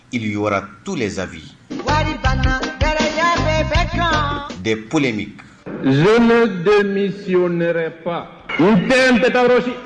Yra tu za wariya bɛ de paullen min z den min si n fa n bɛn bɛ taarosi